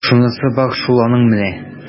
Шунысы бар шул аның менә! ..